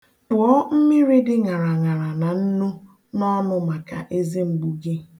Kpụọ mmiri dị ṅaraṅara na nnu n'ọnụ maka eze mgbu gị.